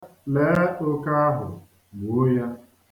Lee oke ahụ, gbuo ya.